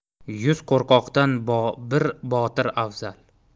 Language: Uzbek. yuz qo'rqoqdan bir botir afzal